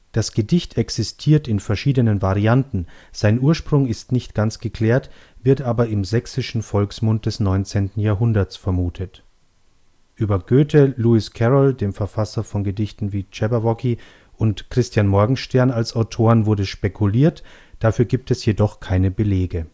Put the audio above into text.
Das Gedicht existiert in verschiedenen Varianten. Sein Ursprung ist nicht ganz geklärt, wird aber im sächsischen Volksmund des 19. Jahrhundert] s vermutet. Über Goethe, Lewis Carroll (dem Verfasser von Gedichten wie Jabberwocky) und Christian Morgenstern als Autoren wurde spekuliert; dafür gibt es jedoch keine Belege